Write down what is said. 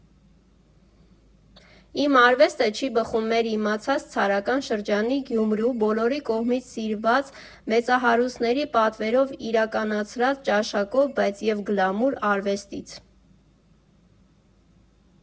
Իմ արվեստը չի բխում մեր իմացած ցարական շրջանի Գյումրու՝ բոլորի կողմից սիրված մեծահարուստների պատվերով իրականացրած ճաշակով, բայց և գլամուր արվեստից։